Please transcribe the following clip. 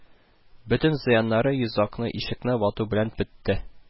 Бөтен зыяннары йозакны-ишекне вату белән бетте